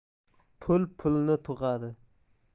pul pulni tug'adi